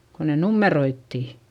kun ne numeroitiin